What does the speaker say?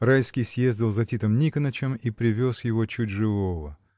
Райский съездил за Титом Никонычем и привез его чуть живого.